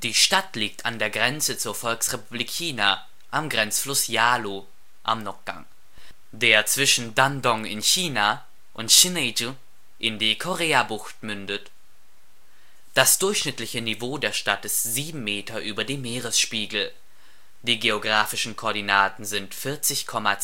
Stadt liegt an der Grenze zur Volksrepublik China am Grenzfluss Yalu (Amrok-kang), der zwischen Dandong in China und Sinŭiju in die Koreabucht mündet. Das durchschnittliche Niveau der Stadt ist sieben Meter über dem Meeresspiegel. Die geografischen Koordinaten sind 40,10